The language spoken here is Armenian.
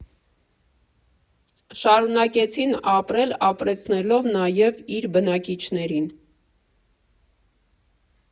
Շարունակեցին ապրել՝ ապրեցնելով նաև իր բնակիչներին։